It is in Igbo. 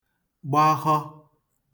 gbahọ